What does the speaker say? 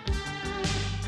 San